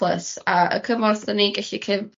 plys a y cymorth 'dan ni'n gellu cef-